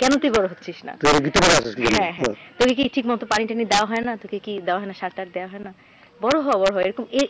কেন তুই বড় হচ্ছিস না তুই গিট্টু মেরে আছিস কি জন্য তোকে কি ঠিকমতো পানি টানি দেওয়া হয় না দেওয়া হয় না সার টার দেয়া হয় না বড় হ বড় হ